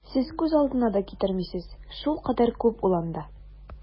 Сез күз алдына да китермисез, шулкадәр күп ул анда!